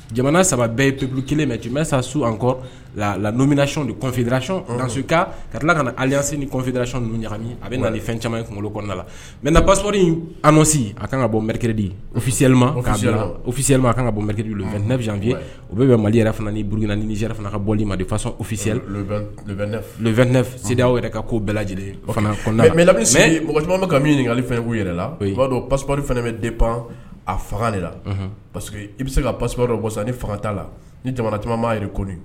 Jamana saba bɛɛ ye pplu kelen mɛ tun bɛ sa su an kɔ la laminac nifirac ka ika ka tila ka alisi nifidac ninnu ɲagami a bɛ na ni fɛn caman kunkolo kɔnɔna la mɛ na paspri an nɔsi a ka kan ka bɔ mɛ fisili filima a kan ka bɔ u bɛ bɛ mali yɛrɛ burukina ni yɛrɛ fana ka bɔli ma de fasasi2 yɛrɛ ka' bɛɛ lajɛlen caman bɛ ka min ɲini ɲininkaka ale fɛn k' yɛrɛ la b'a dɔn paspri fana bɛ de pan a fanga de la pa i bɛ se ka paspdɔ ni fangata la ni jamana camanma yɛrɛ kɔni